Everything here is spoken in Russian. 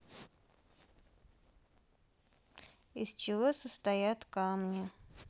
из чего состоят камни